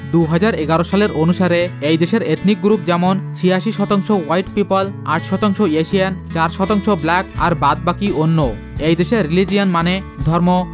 ২০১১ সালে অনুসারে এদেশের এথনিক গ্রুপ যেমন ৮৬% হোয়াইট পিপল ৮ শতাংশ এশিয়ান ৪% ব্ল্যাক আর বাদবাকি অন্য এদেশে রিলিজিয়ন মানে ধর্ম